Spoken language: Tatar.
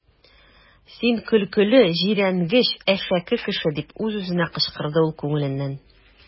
Син көлкеле, җирәнгеч, әшәке кеше! - дип үз-үзенә кычкырды ул күңеленнән.